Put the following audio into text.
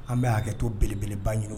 An bɛ hakɛto belebeleba ɲini